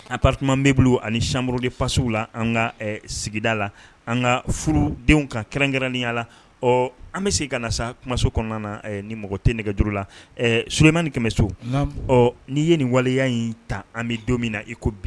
A pati an b bɛ bolo ani samuru de fasiw la an ka sigida la an ka furu denw ka kɛrɛnkɛrɛnnenya la ɔ an bɛ se ka na sa kumaso kɔnɔna ni mɔgɔ tɛ nɛgɛjuru la sourmani ni kɛmɛ so ɔ n' ye nin waleya in ta an bɛ don min na i ko bi